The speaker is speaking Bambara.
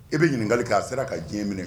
I bɛ ɲininkali k'a sera ka diɲɛ minɛ